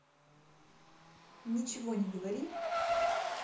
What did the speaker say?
ничего не говори